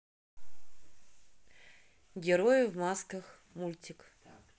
герои в масках мультик